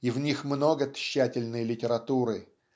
и в них много тщательной литературы.